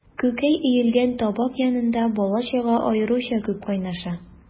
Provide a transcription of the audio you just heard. Күкәй өелгән табак янында бала-чага аеруча күп кайнаша.